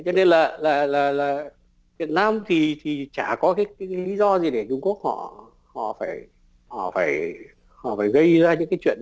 cho nên là là là là việt nam thì thì chả có cái lý do gì để trung quốc họ họ phải họ phải họ phải gây ra những cái chuyện